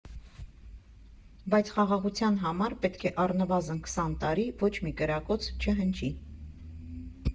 Բայց խաղաղության համար պետք է առնվազն քսան տարի ոչ մի կրակոց չհնչի։